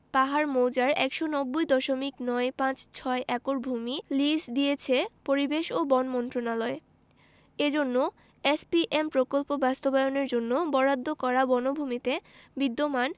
পাহাড় মৌজার ১৯০ দশমিক নয় পাঁচ ছয় একর ভূমি লিজ দিয়েছে পরিবেশ ও বন মন্ত্রণালয় এজন্য এসপিএম প্রকল্প বাস্তবায়নের জন্য বরাদ্দ করা বনভূমিতে বিদ্যমান